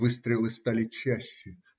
Выстрелы стали чаще.